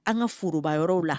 An ka foroba yɔrɔw la